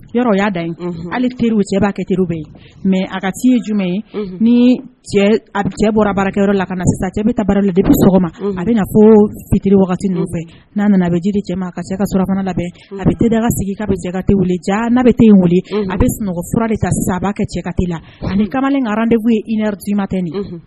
' da hali teri cɛba teri bɛ ye mɛ a ka ci jumɛn ye ni a bɛ cɛ bɔra baarakɛyɔrɔ la ka na sisan cɛ bɛ barali de bɛ sɔgɔma a bɛ na kotiriri wagati fɛ n'a nana bɛ jiri cɛ ma ka se ka sufana labɛn a bɛ da ka sigi ka bɛ cɛkati wuli ja n'a bɛ te yen weele a bɛ sunɔgɔf de ka saba kɛ cɛ la ani kamalenkararan de ye iretima tɛ nin